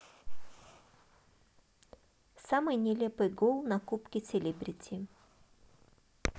самый нелепый гол на кубке селебрити